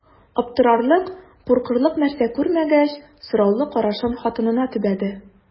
Аптырарлык, куркырлык нәрсә күрмәгәч, сораулы карашын хатынына төбәде.